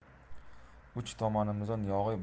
uch tomonimizdan yog'iy